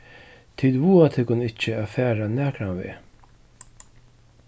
tit vága tykkum ikki at fara nakran veg